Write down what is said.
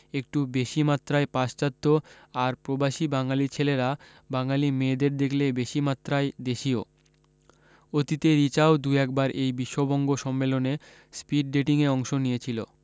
একটু বেশী মাত্রায় পাশ্চাত্য আর প্রবাসী বাঙালী ছেলেরা বাঙালী মেয়েদের দেখলে বেশী মাত্রায় দেশীয় অতীতে রিচাও দু একবার এই বিশ্ববঙ্গ সম্মেলনে স্পীড ডেটিং এ অংশ নিয়ে ছিল